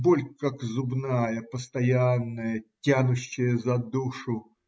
Боль, как зубная: постоянная, тянущая за душу.